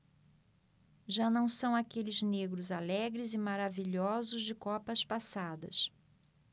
já não são aqueles negros alegres e maravilhosos de copas passadas